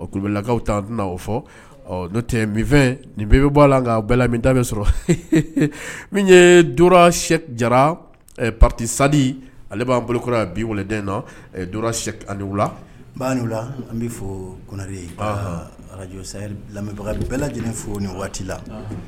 O ku kulubalilakaw dunan o fɔ min fɛn nin bɛ bɛ bɔ sɔrɔ min ye tora sɛ jara pati sa ale b'an bolokɔrɔ bi weele la' la an bɛ fɔ kore araj bɛɛ lajɛlen fo nin waati la